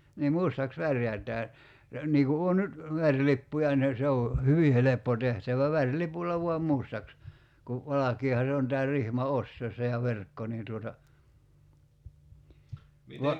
niin mustaksi värjätään niin kun on nyt värilippuja ne se on hyvin helppo tehtävä värilipulla vain mustaksi kun valkeahan se on tämä rihma ostaessa ja verkko niin tuota vaan